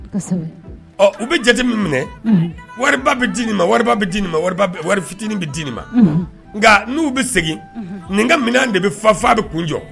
Kosɛbɛ! Ɔ, u bɛ jate min minɛ, wari ba bɛ di nin ma, wari ba bɛ di nin ma, wari ba wari fitinin bɛ di nin ma. Nka n'u bɛ segin nin ka minɛn de bɛ fa f'a bɛ kun jɔ.